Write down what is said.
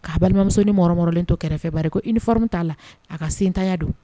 Kaa balimamusosoninɔrɔlen to kɛrɛfɛbari ko i ni fɔra bɛ t'a la a ka sen taya don